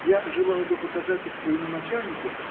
Я желал бы показать их своему начальнику